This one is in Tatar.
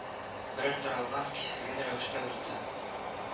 Бераз таралган, киселгән рәвештә узды